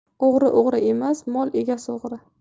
o'g'ri o'g'ri emas mol egasi o'g'ri